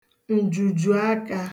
ǹjùjùakā